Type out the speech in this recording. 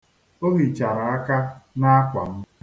O hichara aka n'akwa m.